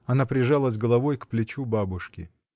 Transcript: Она прижалась головой к плечу бабушки.